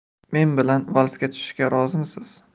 men bilan valsga tushishga rozimisiz